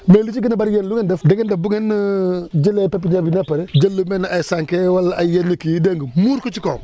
mais li si gën a bëri yéen lu ngeen def da ngeen def bu ngeen jëlee pépinière bi ba pare jël lu mel ni ay sànke wala ay yenn kii yi dégg nga muur ko ci kawam